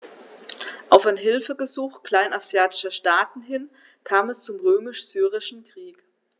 Auf ein Hilfegesuch kleinasiatischer Staaten hin kam es zum Römisch-Syrischen Krieg.